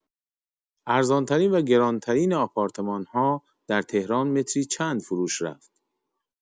ارزان‌ترین و گران‌ترین آپارتمان‌ها در تهران متری چند فروش رفت؟